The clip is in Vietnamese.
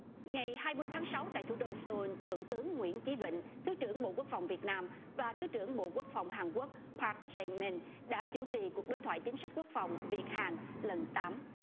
ngày hai mươi tháng sáu tại thủ đô xơ un thượng tướng nguyễn chí vịnh thứ trưởng bộ quốc phòng việt nam và thứ trưởng bộ quốc phòng hàn quốc pác chê min đã chủ trì cuộc đối thoại chính sách quốc phòng việt hàn lần tám